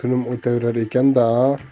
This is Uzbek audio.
o'taverar ekan da a